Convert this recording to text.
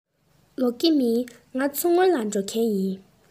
ལོག གི མིན ང མཚོ སྔོན ལ འགྲོ མཁན ཡིན